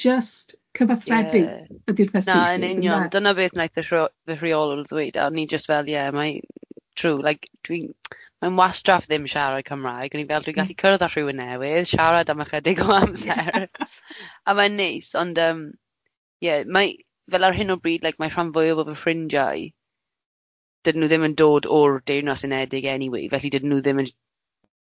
Jyst cyfathrebu... Ie. ...ydy'r peth bwysig ynde? Na, yn union, dyna beth wnaeth y rhw- y rheolwr ddweud a o'n i jyst fel ie, mae true like dwi'n mae'n wastraff ddim siarad Cymraeg. O'n i fel dwi'n gallu cyrraedd â rhywun newydd, siarad am ychydig o amser a mae'n neis, ond yym ie, mae fel ar hyn o bryd like mae rhan fwyaf o fy ffrindiau, dydyn nhw ddim yn dod o'r Deyrnas Unedig anyway, felly dydyn nhw ddim yn j-